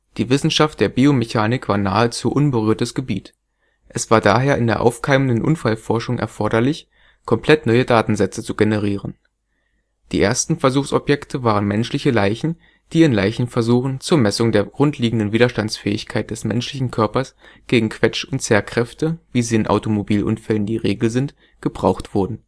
Die Wissenschaft der Biomechanik war nahezu unberührtes Gebiet. Es war daher in der aufkeimenden Unfallforschung erforderlich, komplett neue Datensätze zu generieren. Die ersten Versuchsobjekte waren menschliche Leichen, die in Leichenversuchen zur Messung der grundliegenden Widerstandsfähigkeit des menschlichen Körpers gegen Quetsch - und Zerrkräfte, wie sie in Automobilunfällen die Regel sind, gebraucht wurden